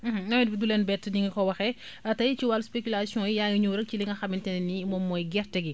nawet bi du leen bett ni nga ko waxee tay ci wàllu spéculation yi yaa ngi ñëw rekk ci li nga xamante ne ni moom mooy gerte gi